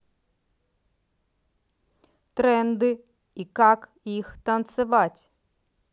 тренды и как их танцевать